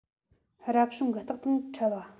རབ བྱུང གི རྟགས དང ཕྲལ བ